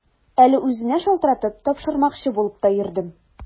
Әле үзенә шалтыратып, тапшырмакчы булып та йөрдем.